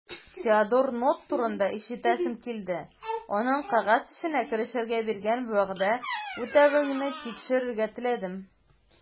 Теодор Нотт турында ишетәсем килде, аннан кәгазь эшенә керешергә биргән вәгъдә үтәвеңне тикшерергә теләдем.